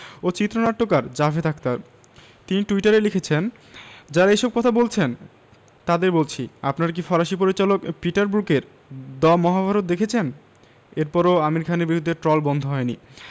ও চিত্রনাট্যকার জাভেদ আখতার তিনি টুইটারে লিখেছেন যাঁরা এসব কথা বলছেন তাঁদের বলছি আপনারা কি ফরাসি পরিচালক পিটার ব্রুকের “দ্য মহাভারত” দেখেছেন এরপরও আমির খানের বিরুদ্ধে ট্রল বন্ধ হয়নি